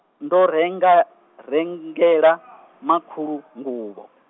ndo renga, rengela, makhulu, nguvho.